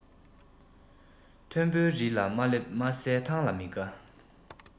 མཐོན པོའི རི ལ མ སླེབས དམའ ས ཐང ལ མི དགའ